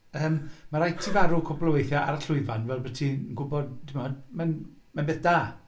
Yym mae'n rhaid i ti farw cwpl o weithiau ar y llwyfan fel bod ti'n gwybod, tibod mae'n beth da.